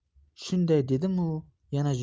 shunday dedimu yana